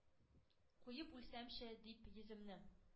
Куеп үлсәмче, дип, йөземне!